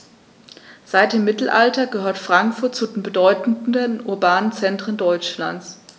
Seit dem Mittelalter gehört Frankfurt zu den bedeutenden urbanen Zentren Deutschlands.